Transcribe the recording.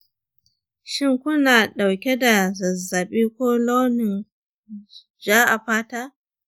shin ku na ɗauke da zazzaɓi ko launin ja a fata